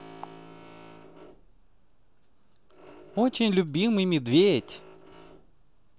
очень любимый медведь